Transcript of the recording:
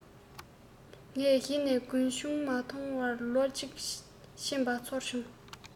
ངས གཞི ནས རྒུན ཆང མ འཐུང བར ལོ གཅིག ཕྱིན པ ཚོར བྱུང